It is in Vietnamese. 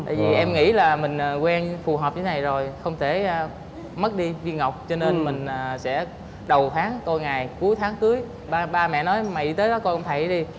tại vì em nghĩ là mình quen phù hợp như này rồi không thể mất đi viên ngọc cho nên mình sẽ đầu tháng tô ngày cuối tháng cưới ba ba mẹ nói mày đi tới coi cái ông thầy đó đi